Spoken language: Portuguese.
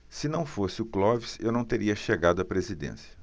se não fosse o clóvis eu não teria chegado à presidência